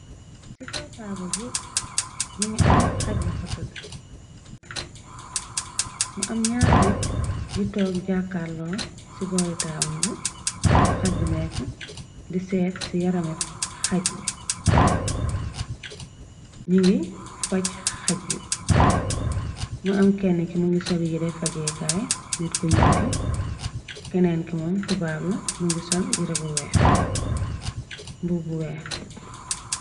Si kaw taabal bi mugi am xaj bu fa tada mu am ñaaru nit yi toog jàkkarloo ci boore taawal bi bu xaj bi nekk di seet ci yarame xaj bi ñi ngi faj xaj bi mu am kenn ki mu ngi sol yire fajeekaay nit ku ñulke keneen ki moom tubaab la mu ngi sol yira mbur bu weex.